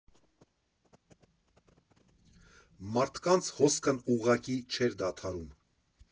Մարդկանց հոսքն ուղղակի չէր դադարում։